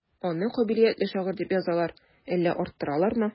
Аны кабилиятле шагыйрь дип язалар, әллә арттыралармы?